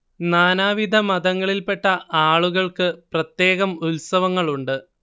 നാനാവിധ മതങ്ങളില്പെട്ട ആളുകൾക്ക് പ്രത്യേകം ഉത്സവങ്ങളുണ്ട്